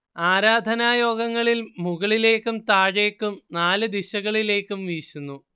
ആരാധനായോഗങ്ങളിൽ മുകളിലേക്കും താഴേയ്ക്കും നാല് ദിശകളിലേക്കും വീശുന്നു